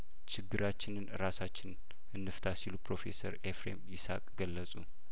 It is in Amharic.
ችግራችንን ራሳችን እንፍታ ሲሉ ፕሮፌሰር ኤፍሬም ይስሀቅ ገለጹ